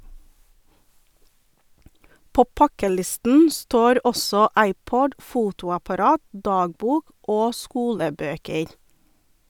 På pakkelisten står også iPod, fotoapparat, dagbok - og skolebøker.